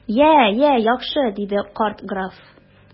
Я, я, яхшы! - диде карт граф.